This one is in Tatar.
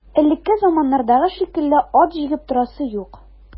Элекке заманнардагы шикелле ат җигеп торасы юк.